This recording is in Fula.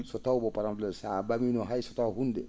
so taw bo parb* so a ?a?iino hay so taw huunde